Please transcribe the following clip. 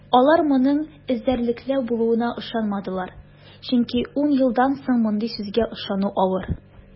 Алар моның эзәрлекләү булуына ышанмадылар, чөнки ун елдан соң мондый сүзгә ышану авыр.